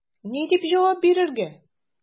Ни дип җавап бирергә?